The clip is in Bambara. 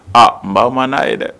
Aa nba ma n'a ye dɛ